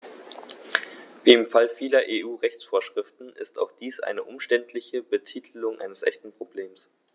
Wie im Fall vieler EU-Rechtsvorschriften ist auch dies eine umständliche Betitelung eines echten Problems.